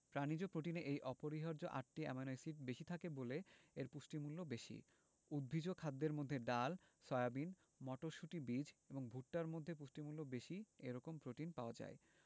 প্রাণিজ প্রোটিনে এই অপরিহার্য আটটি অ্যামাইনো এসিড বেশি থাকে বলে এর পুষ্টিমূল্য বেশি উদ্ভিজ্জ খাদ্যের মধ্যে ডাল সয়াবিন মটরশুটি বীজ এবং ভুট্টার মধ্যে পুষ্টিমূল্য বেশি এরকম প্রোটিন পাওয়া যায়